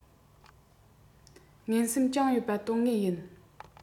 ངན སེམས བཅངས ཡོད པ དོན དངོས ཡིན